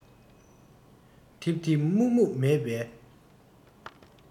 ཐིབ ཐིབ སྨུག སྨུག མེད པའི